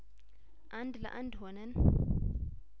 አንድ ለአንድ ሆነን